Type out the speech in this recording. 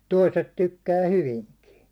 toiset tykkää hyvinkin